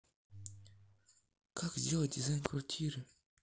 как сделать дизайн квартиры